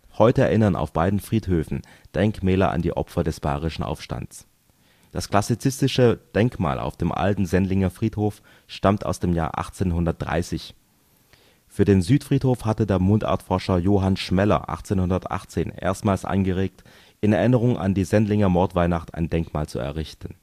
Heute erinnern auf beiden Friedhöfen Denkmäler an die Opfer des bayerischen Aufstands. Das klassizistische Denkmal auf dem alten Sendlinger Friedhof stammt aus dem Jahr 1830. Für den Südfriedhof hatte der Mundartforscher Johann Schmeller 1818 erstmals angeregt, in Erinnerung an die Sendlinger Mordweihnacht ein Denkmal zu errichten